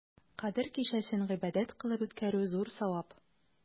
Кадер кичәсен гыйбадәт кылып үткәрү зур савап.